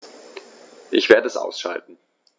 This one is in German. Ich werde es ausschalten